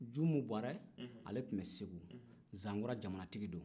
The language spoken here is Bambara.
junmu buwarɛ ale tun bɛ segu zankura jamanatigi don